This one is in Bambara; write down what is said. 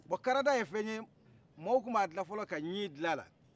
karasa ye fɛn ye mɔgɔ tun ba dilan fɔlɔ ka ɲi kala